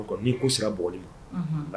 O n'i ko sera bɔlen